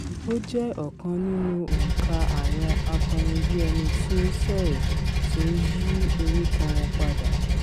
Ó jẹ́ ọ̀kan nínú òǹka àwọn akọrinbíẹnití-ńsọ̀rọ̀ tó yí orúkọ wọn padà.